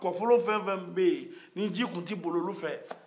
kɔfplon fɛn o fɛn bɛ yen ko ji tun tɛ boli o fɛ